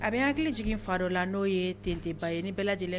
A bɛ n hakili jigin n fa la n'o ye Tentenba ye ni bɛɛ lajɛlen